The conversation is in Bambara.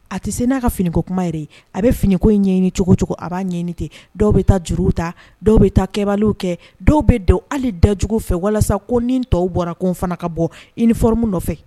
A tɛ se n'a ka finiko kuma yɛrɛ ye a bɛ finiko in ɲɛɲini cogocogo a b'a ɲɛɲini ten dɔw bɛ taa juruw ta dɔw bɛ taa kɛbaliw kɛ dɔw bɛ da ale dajugu fɛ walasa ko nin tɔw bɔra ko fana ka bɔ i niforo min nɔfɛ